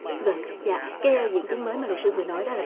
vâng dạ cái diễn tiến mới mà luật sư vừa nói